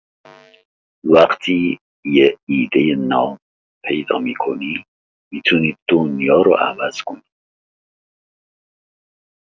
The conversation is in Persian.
وقتی یه ایده ناب پیدا می‌کنی، می‌تونی دنیا رو عوض کنی.